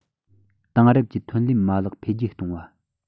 དེང རབས ཀྱི ཐོན ལས མ ལག འཕེལ རྒྱས གཏོང བ